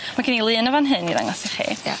Ma' gen i lun yn fan hyn i ddangos i chi. Ie.